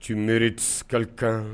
Cmerekali kan